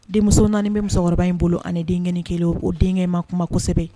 Denmuso naani bɛ musokɔrɔba in bolo ani denkɛ kelen ko denkɛma kuma kosɛbɛ